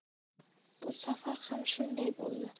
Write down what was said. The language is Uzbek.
bu safar ham shunday bo'ldi